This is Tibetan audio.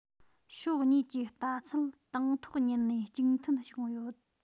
ཕྱོགས གཉིས ཀྱི ལྟ ཚུལ དང ཐོག ཉིད ནས གཅིག མཐུན བྱུང ཡོད